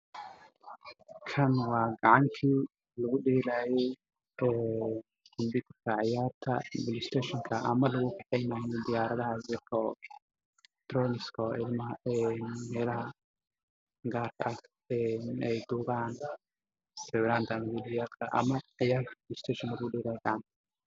Waxaa ii muuqda kacanka lagu isticmaalo tvga oo lagu sheeko game la midabkiisii yahay caddaan ah